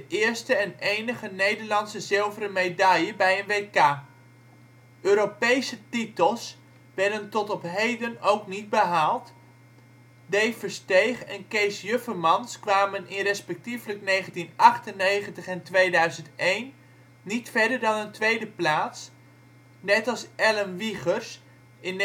eerste en enige Nederlandse zilveren medaille bij een WK. Europese titels werden tot op heden ook niet behaald, Dave Versteeg en Cees Juffermans kwamen in respectievelijk 1998 en 2001 niet verder dan een tweede plaats, net als Ellen Wiegers in